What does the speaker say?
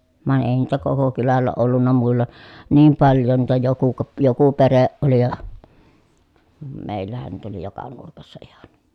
vaan ei niitä koko kylällä ollut muilla niin paljon niitä joku - joku perhe oli ja meillähän niitä oli joka nurkassa ihan